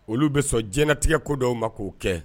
Olu bɛ sɔn diɲɛtigɛ ko dɔw ma k'o kɛ